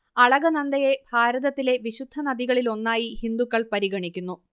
അളകനന്ദയെ ഭാരതത്തിലെ വിശുദ്ധ നദികളിലൊന്നായി ഹിന്ദുക്കൾ പരിഗണിക്കുന്നു